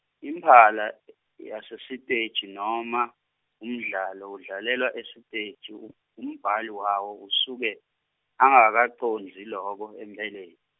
imphahla yasesiteji noma umdlalo udlalelwa esiteji u- umbhali wawo usuke angakacondzi loko empeleni.